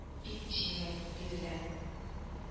Бик җиңел бирелә